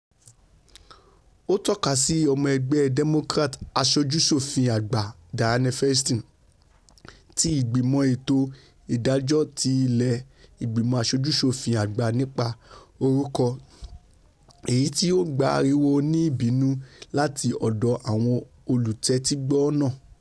Ó tọ́kasí ọmọ ẹgbẹ́ Democrats Àsojú-ṣòfin Àgbà Dianne Feinstein ti Ìgbìmọ̀ Ètò Ìdájọ́ ti Ilé Ìgbìmọ̀ Aṣojú-ṣòfin Àgbà nípa orúkọ, èyití o gba ariwo oní-ìbínú láti ọdọ́ àwọn olùtẹ́tígbọ náà.